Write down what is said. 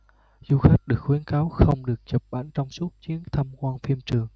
du khách được khuyến cáo không được chụp ảnh trong suốt chuyến tham quan phim trường